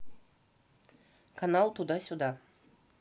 канал туда сюда